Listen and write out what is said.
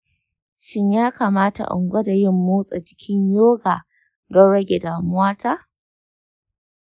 shin ya kamata in gwada yin motsa jikin yoga don rage damuwata?